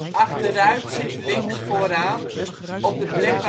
achteruit zit links vooraan (op de plek